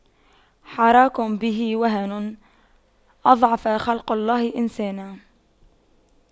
حراك به وهن أضعف خلق الله إنسانا